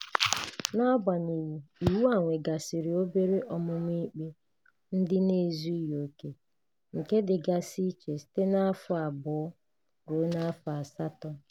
Na-agbanyeghị, iwu a nwe gasịrị obere ọmụma ikpe ndị na-ezughị oke, nke dịgasị iche site n'afọ abụọ ruo afọ asatọ.